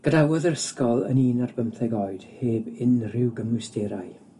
Gadawodd yr ysgol yn un ar bymtheg oed, heb unrhyw gymwysterau.